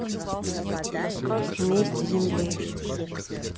месть земли